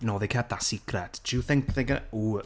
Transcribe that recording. No, they kept that secret. Do you think they're going to... ooh